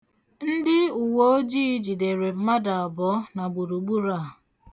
Ndị uweojii jidere mmadụ abụọ na gburugburu a.